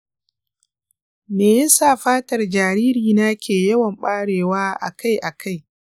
me ya sa fatar jaririna ke yawan ɓarewa akai-akai?